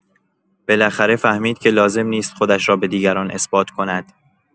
بالاخره فهمید که لازم نیست خودش را به دیگران اثبات کند.